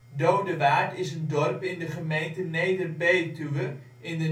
Dodewaard is een dorp in de gemeente Neder-Betuwe, in